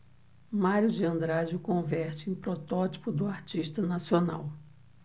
mário de andrade o converte em protótipo do artista nacional